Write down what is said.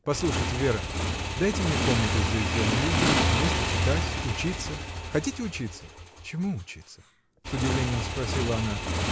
— Послушайте, Вера: дайте мне комнату здесь в доме — мы будем вместе читать, учиться. хотите учиться? — Чему учиться? — с удивлением спросила она.